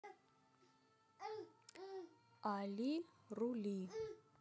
али рули